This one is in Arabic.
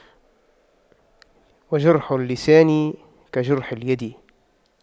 وَجُرْحُ اللسان كَجُرْحِ اليد